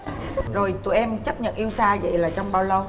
rồi tụi em chấp nhận yêu xa vậy là trong bao lâu